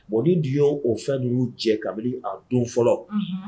Bondi dun y ye o fɛn ninnuu cɛ kabini a don fɔlɔ